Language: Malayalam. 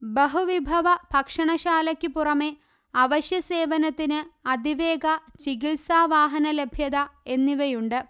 ബഹുവിഭവ ഭക്ഷണശാലയ്ക്കു പുറമെ അവശ്യസേവനത്തിൻഅതിവേഗ ചികിത്സാവാഹനലഭ്യത എന്നിവയുണ്ട്